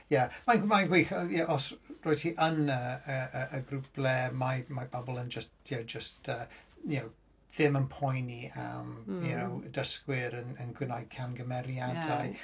Ie. Mae mae'n gwych, ie. Os rwyt ti yn yy y y grŵp ble mae mae pobl yn jyst ie jyst, yy y'know, ddim yn poeni am ,y'know, dysgwyr yn wneud camgymeriadau.